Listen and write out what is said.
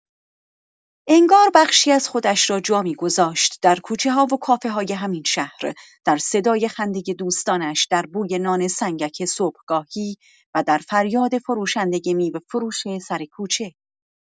انگار بخشی از خودش را جا می‌گذاشت، در کوچه‌ها و کافه‌های همین شهر، در صدای خندۀ دوستانش، در بوی نان سنگک صبحگاهی و در فریاد فروشندۀ میوه‌فروش سر کوچه.